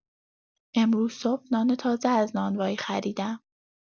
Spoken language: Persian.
امروز صبح نان تازه از نانوایی خریدم.